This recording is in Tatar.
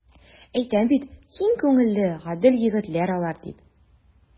Әйтәм бит, киң күңелле, гадел егетләр алар, дип.